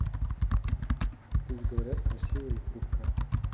пусть говорят красивая и хрупкая